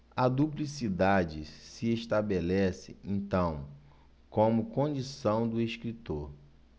a duplicidade se estabelece então como condição do escritor